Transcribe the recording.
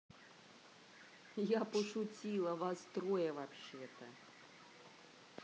я пошутила востроя вообще то